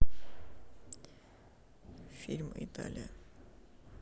фильм италия